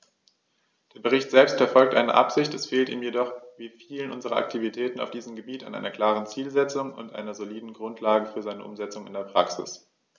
Der Bericht selbst verfolgt eine gute Absicht, es fehlt ihm jedoch wie vielen unserer Aktivitäten auf diesem Gebiet an einer klaren Zielsetzung und einer soliden Grundlage für seine Umsetzung in die Praxis.